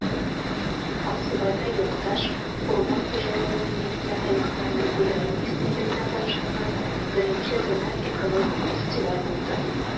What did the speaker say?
Аксубайда якташ, урман хуҗалыгы министры Александр Гуляев истәлегенә багышланган I зональ экологик фестиваль булды